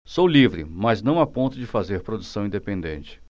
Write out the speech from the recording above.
sou livre mas não a ponto de fazer produção independente